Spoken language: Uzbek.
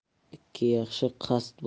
ikki yaxshi qasd